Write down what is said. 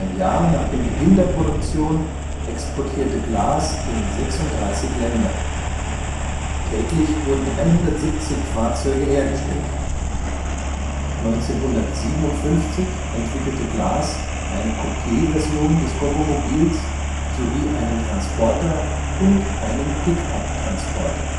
Jahr nach dem Beginn der Produktion exportierte Glas in 36 Länder. Täglich wurden 170 Fahrzeuge hergestellt. 1957 entwickelte Glas eine Coupéversion des Goggomobils sowie einen Transporter und einen Pick-Up-Transporter